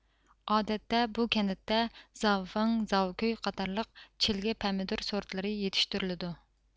ئادەتتە بۇ كەنىتتە زاۋفىڭ زاۋكۈي قاتارلىق چىلگە پەمىدۇر سورتلىرى يىتىشتۈرلىدۇ